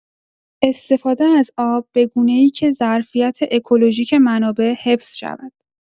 استفاده از آب به گونه‌ای که ظرفیت اکولوژیک منابع حفظ شود.